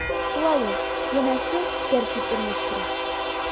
Шулай ул, янәсе, тәртип урнаштыра.